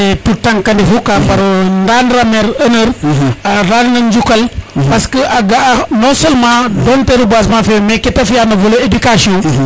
ale tutank a ndefu ga mbaro rendre a maire honore a rendre in njukal parce que a ga a non seulement dont te reboisement feme te fiya no volet éducation